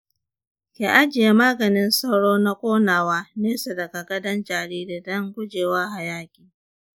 ki ajiye maganin sauro na ƙonawa nesa daga gadon jariri don gujewa hayaƙi.